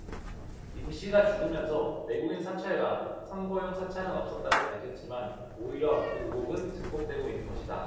임씨가 죽으면서 내국인 사찰과 선거용 사찰은 없었다고 밝혔지만 오히려 그 의혹은 증폭되고 있는 것이다